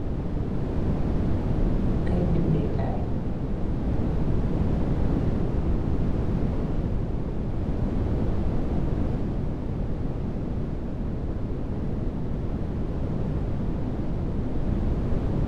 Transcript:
Keyt bendeh kai